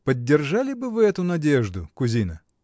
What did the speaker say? — Поддержали бы вы эту надежду, кузина?